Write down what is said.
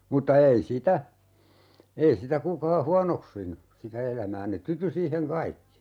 mutta ei sitä ei sitä kukaan huonoksinut sitä elämää ne tyytyi siihen kaikki